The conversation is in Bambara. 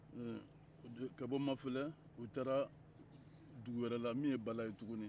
ka bɔ mafele u taara dugu wɛrɛ la min ye bala ye tuguni